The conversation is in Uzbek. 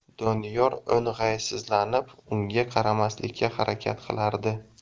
doniyor o'ng'aysizlanib unga qaramaslikka harakat qilardi